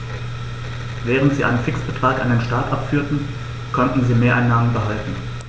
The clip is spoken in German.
Während sie einen Fixbetrag an den Staat abführten, konnten sie Mehreinnahmen behalten.